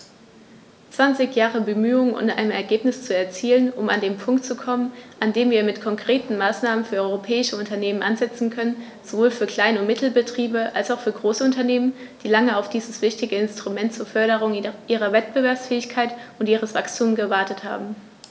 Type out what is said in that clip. Zwanzig Jahre Bemühungen, um ein Ergebnis zu erzielen, um an den Punkt zu kommen, an dem wir mit konkreten Maßnahmen für europäische Unternehmen ansetzen können, sowohl für Klein- und Mittelbetriebe als auch für große Unternehmen, die lange auf dieses wichtige Instrument zur Förderung ihrer Wettbewerbsfähigkeit und ihres Wachstums gewartet haben.